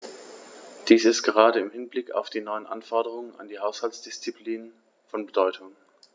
Dies ist gerade im Hinblick auf die neuen Anforderungen an die Haushaltsdisziplin von Bedeutung.